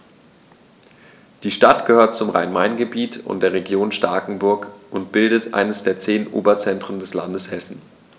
Die Stadt gehört zum Rhein-Main-Gebiet und der Region Starkenburg und bildet eines der zehn Oberzentren des Landes Hessen.